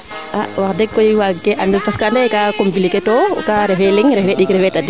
a wax deg koy waag kee andel parce que ande kaa compliquer too kaa refe leŋ refee ɗik refee tadik